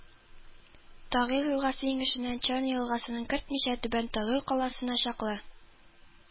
Тагил елгасы инешенән Черной елгасын кертмичә Түбән Тагил каласына чаклы